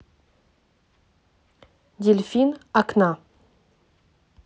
дельфин окна